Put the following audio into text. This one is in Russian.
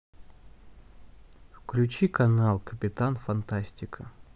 включи канал капитан фантастика